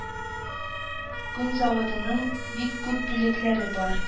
Күн заводының бик күп бүлекләре бар